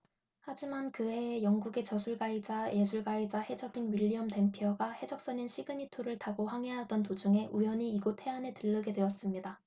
하지만 그 해에 영국의 저술가이자 예술가이자 해적인 윌리엄 댐피어가 해적선인 시그닛 호를 타고 항해하던 도중에 우연히 이곳 해안에 들르게 되었습니다